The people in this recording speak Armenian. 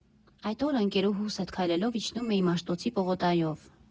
Այդ օրը ընկերուհուս հետ քայլելով իջնում էի Մաշտոցի պողոտայով։